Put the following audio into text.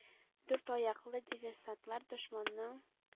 Дүрт аяклы диверсантлар дошманның